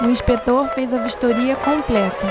um inspetor fez a vistoria completa